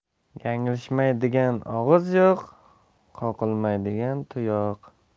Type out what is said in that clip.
yanglishmaydigan og'iz yo'q qoqilmaydigan tuyoq